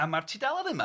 A ma'r tudalen yma